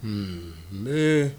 H ee